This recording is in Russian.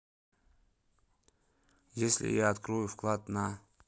если я открою вклад на